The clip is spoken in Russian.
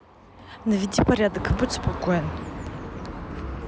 наведи порядок и будь свободен